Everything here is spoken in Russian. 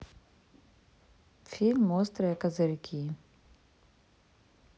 фильм острые козырьки